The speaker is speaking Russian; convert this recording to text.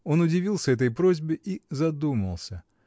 Он удивился этой просьбе и задумался.